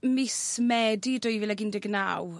mis Medi dwy fil ag un deg naw